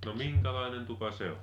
no minkälainen tupa se oli